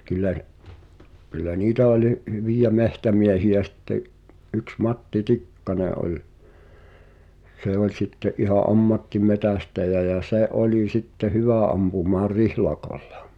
kyllä kyllä niitä oli hyviä metsämiehiä sitten yksi Matti Tikkanen oli se oli sitten ihan ammattimetsästäjä ja se oli sitten hyvä ampumaan rihlakolla